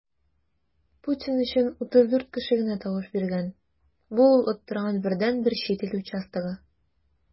Путин өчен 34 кеше генә тавыш биргән - бу ул оттырган бердәнбер чит ил участогы.